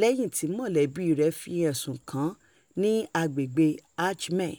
lẹ́yìn tí mọ̀lẹ́bíi rẹ̀ fi ẹ̀sùn kàn án ní agbègbèe Ajmer.